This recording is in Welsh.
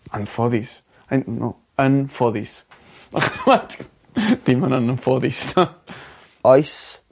anffodus no yn ffodus what? Dim yn yn anffodus . Oes.